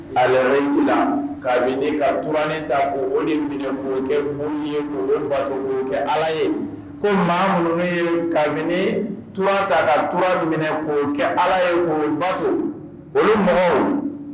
kabini ka turanin ta ko o de minɛ k'o kɛ boli ye , ko bato ko kɛ ala ye, ko maa minnuw ye kabini tura ta, ka tura dun minɛ k'o kɛ ala ye ko bato, olu mɔgɔw